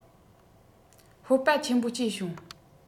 སྤོབས པ ཆེན པོ སྐྱེས བྱུང